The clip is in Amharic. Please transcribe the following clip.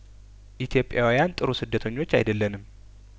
ኢትዮጵያውያን ጥሩ ስደተኞች አይደለንም